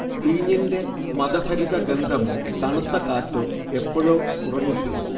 വീഞ്ഞിന്റെ മദഭരിത ഗന്ധമോ, തണുത്ത കാറ്റോ, എപ്പഴോ ഉറങ്ങിപ്പോയി